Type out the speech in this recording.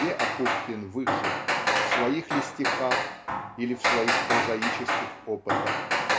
где Апухтин выше -- в своих ли стихах или в своих прозаических опытах.